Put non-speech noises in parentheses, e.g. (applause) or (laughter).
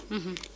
(hesitation) (hesitation)